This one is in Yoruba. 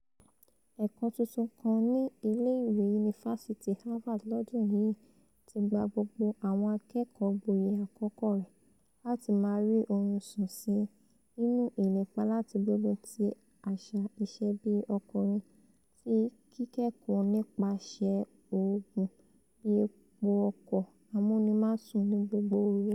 Ẹ̀kọ́ tuntun kan tí wọ́n dá sílẹ̀ ní Yunifásítì Harvard lọ́dún yìí ti mú kí gbogbo àwọn akẹ́kọ̀ọ́ tó wà níbẹ̀ túbọ̀ máa sùn dáadáa kí wọ́n lè gbógun ti àṣà kíkóra ẹni níjàánu tó ń gbilẹ̀, ìyẹn kíkẹ́kọ̀ọ́ "ní gbogbo òru" nítorí pé wọ́n ń mu kọfíìnì.